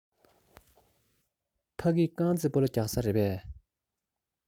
ཕ གི རྐང རྩེད སྤོ ལོ རྒྱག ས རེད པས